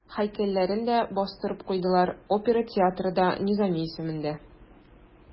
Һәйкәлләрен дә бастырып куйдылар, опера театры да Низами исемендә.